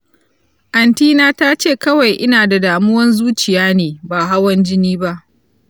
anty na tace kawai ina da damuwan zuciya ne, ba hawan jini ba.